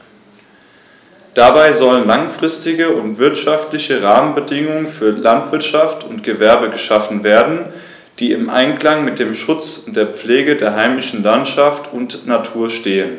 Dabei sollen langfristige und wirtschaftliche Rahmenbedingungen für Landwirtschaft und Gewerbe geschaffen werden, die im Einklang mit dem Schutz und der Pflege der heimischen Landschaft und Natur stehen.